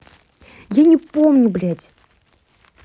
я не помню блядь